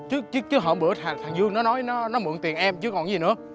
chứ chứ chứ hôm bữa thằng thằng dương nó nói nó nó mượn tiền em chứ còn gì nữa